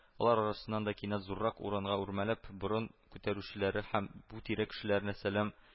Алар арасыннан да кинәт зуррак урынга үрмәләп борын күтәрүчеләре һәм бу тирә кешеләренә сәлам